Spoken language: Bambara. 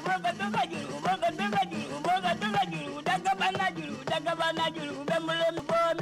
Jjj da kaba laj kaba laj u